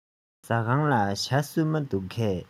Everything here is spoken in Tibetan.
ཟ ཁང ལ ཇ སྲུབས མ འདུག གས